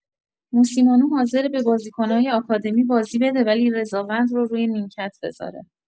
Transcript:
موسیمانو حاضره به بازیکنای آکادمی بازی بده ولی رضاوند رو روی نیمکت بزاره